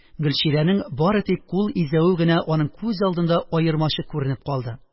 Гөлчирәнең бары тик кул изәве генә аның күз алдында аермачык күренеп калд